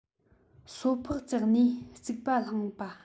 སོ ཕག བརྩེགས ནས རྩིག པ བསླངས པ